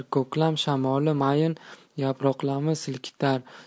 ko'klam shamoli mayin yaproqlarni silkitar